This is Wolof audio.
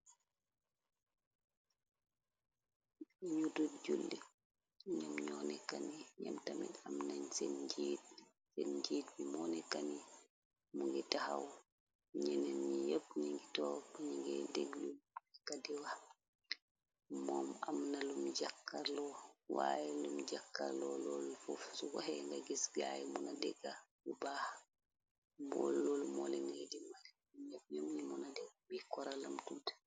luñu dut julli ñoom ñoo nekani ñam tamit am nañ seen njiit bi moo nekani mu ngi taxaw ñeneen ñi yepp ni ngi topp ningay dëg lu ka di wax moom am na lum jàkarloo waaye lum jakkar looloolu fof su goxe nga gis gaay muna degga bu baax mbool loolu moole ngay dimal ñepp ñoom ñi mona i bi koralam tuut